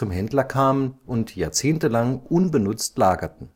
Händler kamen und jahrzehntelang unbenutzt lagerten